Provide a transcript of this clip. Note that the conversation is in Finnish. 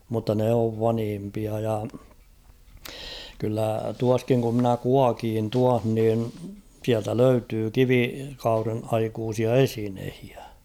mutta ne on vanhimpia ja kyllä tuossakin kun minä kuokin tuossa niin sieltä löytyi kivikauden aikaisia esineitä